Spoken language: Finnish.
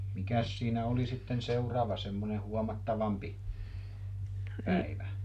mikäs siinä oli sitten seuraava semmoinen huomattavampi päivä